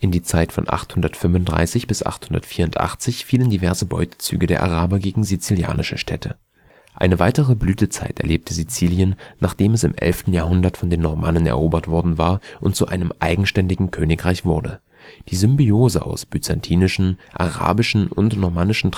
die Zeit von 835 bis 884 fielen diverse Beutezüge der Araber gegen sizilianische Städte. Normannenkirche San Giovanni dei Lebbrosi in Palermo Eine weitere Blütezeit erlebte Sizilien, nachdem es im 11. Jahrhundert von den Normannen erobert worden war und zu einem eigenständigen Königreich wurde. Die Symbiose aus byzantinischen, arabischen und normannischen